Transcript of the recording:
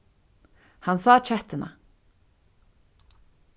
hann sá kettuna